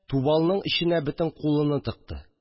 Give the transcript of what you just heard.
Тубалның эченә бөтен кулыны тыкты